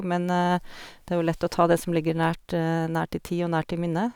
Men det er jo lett å ta det som ligger nært nært i tid og nært i minnet.